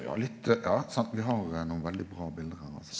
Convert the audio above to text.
ja litt ja sant vi har nokon veldig bra bilde her altså.